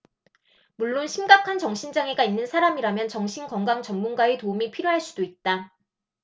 물론 심각한 정신 장애가 있는 사람이라면 정신 건강 전문가의 도움이 필요할 수 있다